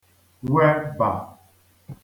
weba